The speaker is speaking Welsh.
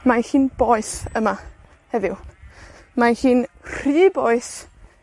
Mae hi'n boeth yma heddiw. Mae hi'n rhy boeth